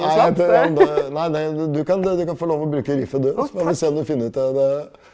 nei det nei det du kan du kan få lov å bruke riffet du, så får vi se om du finner ut av det.